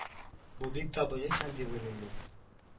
Бу бик табигый хәл дип уйлыйм мин